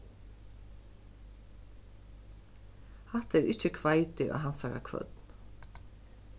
hatta er ikki hveiti á hansara kvørn